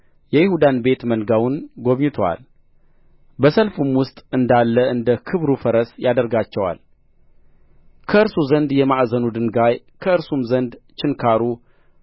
የይሁዳን ቤት መንጋውን ጐብኝቶአል በሰልፍም ውስጥ እንዳለ እንደ ክብሩ ፈረስ ያደርጋቸዋል ከእርሱ ዘንድ የማዕዘኑ ድንጋይ ከእርሱም ዘንድ ችንካሩ